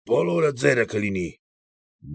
Բոլորը ձերը կլինի։